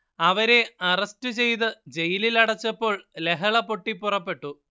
അവരെ അറസ്റ്റ് ചെയ്ത് ജയിലിലടച്ചപ്പോൾ ലഹള പൊട്ടിപ്പുറപ്പെട്ടു